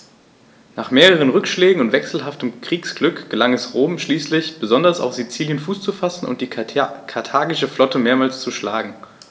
Nach mehreren Rückschlägen und wechselhaftem Kriegsglück gelang es Rom schließlich, besonders auf Sizilien Fuß zu fassen und die karthagische Flotte mehrmals zu schlagen.